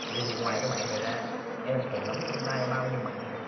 thì ngoài cái mạng này ra em còn nắm trong tay bao nhiêu mạng nữa